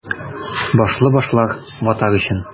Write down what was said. Башлы башлар — ватар өчен!